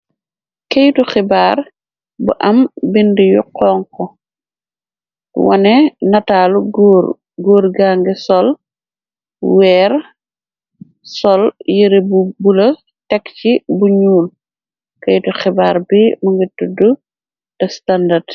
Kayiti xibarr bu am bindé yu xonxu waneh nitalo gór, gór nga ngi sol wèèr, sol yirèh bu bula teksi bu ñuul. Kayiti xibarr bi mugii today the standard.